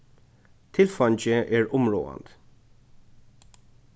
tilfeingi er umráðandi